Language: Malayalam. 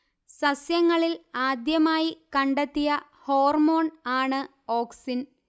സസ്യങ്ങളിൽ ആദ്യമായി കണ്ടെത്തിയ ഹോർമോൺ ആണ് ഓക്സിൻ